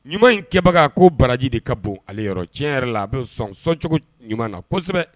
Ɲuman inkɛbaga ko baraji de ka bon ale yɔrɔ tiɲɛ yɛrɛ la a bɛ sɔn sɔncogo ɲuman na kosɛbɛ